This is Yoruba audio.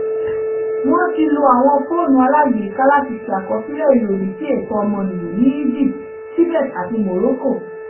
Wọ́n ti lo àwọn fóònù alágbèéká láti ṣe àkọsílẹ̀ ìlòdì sí ẹ̀tọ́ ọmọnìyàn, ní Egypt, Tibet àti Morocco.